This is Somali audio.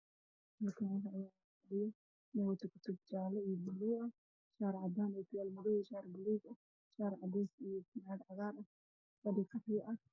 Halkaan waxaa fadhiyo nin wato kutub jaale iyo buluug ah, waxuu wataa shaar cadaan ah, ookiyaalo madow ah, shaar buluug ah, shaar cadeys ah, fanaanad cagaar ah, fadhi qaxwi.